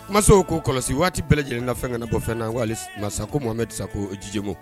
Mansaw k'o kɔlɔsi waati bɛɛ lajɛlen na ka fɛn ka bɔ fɛn na ko Muhamedi Sako